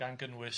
Gan gynnwys...